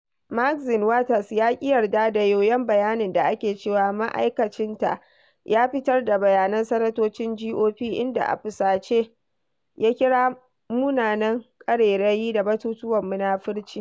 Maxine Waters ya ƙi yarda da yoyon bayanin da ake cewa ma'aikacinta ya fitar da bayanan sanatocin GOP, inda a fusace ya kira 'munanan ƙarerayi' da 'batutuwan munafurci'